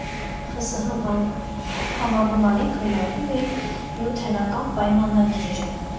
ԽՍՀՄ համագումարին քննարկում էին Միութենական պայմանագիրը։